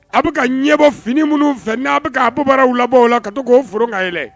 A bɛ ka ɲɛbɔ fini minnu fɛ n'a a bɛ a bara labɔ la ka to k'o f ka yɛlɛ